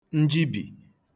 njibì